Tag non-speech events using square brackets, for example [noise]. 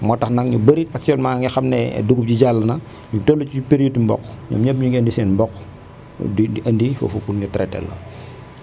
moo tax nag ñu bëri actuellement nga xam ne dugub ji jàll na ñu toll ci période mboq ñoom ñëpp ñu ngi ëndi seen mboq di di ëndi foofu pour ñu traité teel la [noise]